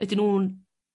Ydyn nhw'n